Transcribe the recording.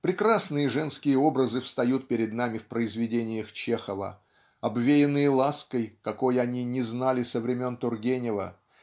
прекрасные женские образы встают перед нами в произведениях Чехова, обвеянные лаской, какой они не знали со времен Тургенева,